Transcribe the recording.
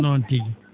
noon tigi